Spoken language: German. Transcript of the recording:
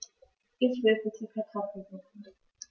Ich will bitte Kartoffelsuppe.